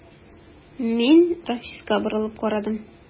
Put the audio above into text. Мин Рафиска борылып карадым.